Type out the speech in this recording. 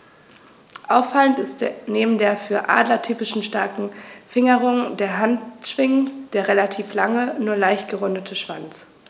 Auffallend ist neben der für Adler typischen starken Fingerung der Handschwingen der relativ lange, nur leicht gerundete Schwanz.